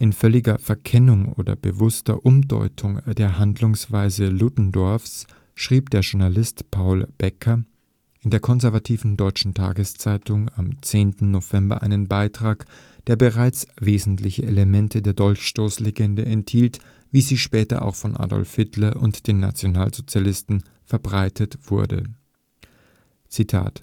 völliger Verkennung oder bewusster Umdeutung der Handlungsweise Ludendorffs schrieb der Journalist Paul Baecker in der konservativen Deutschen Tageszeitung am 10. November einen Beitrag, der bereits wesentliche Elemente der Dolchstoßlegende enthielt, wie sie später auch von Adolf Hitler und den Nationalsozialisten verbreitet wurde: Das